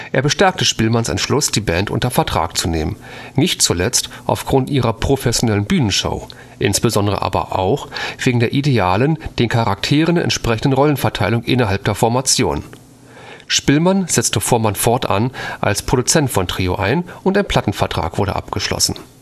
Er bestärkte Spillmanns Entschluss, die Band unter Vertrag zu nehmen, nicht zuletzt aufgrund ihrer professionellen Bühnenshow, insbesondere aber auch wegen der idealen, den Charakteren entsprechenden Rollenverteilung innerhalb der Formation. Spillmann setzte Voormann fortan als Produzent von Trio ein, und ein Plattenvertrag wurde abgeschlossen